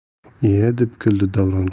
ie deb kuldi davron